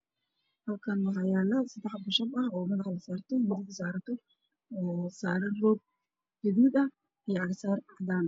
Xilkaan waxay yeelo saddex bushbaa oo dhabarka la saarta oo saaran reer guduud ah iyo caddaan ah